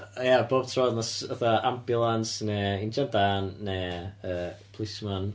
Ie bob tro oedd 'na s- fatha ambiwlans, neu injan dân neu yy plismon...